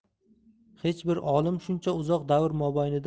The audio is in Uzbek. hyech bir olim shuncha uzoq davr